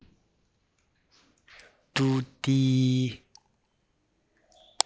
ཏུའུ ཏེའི